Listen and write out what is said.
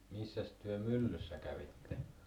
missäs te myllyssä kävitte